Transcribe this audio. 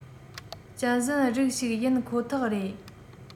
གཅན གཟན རིགས ཞིག ཡིན ཁོ ཐག རེད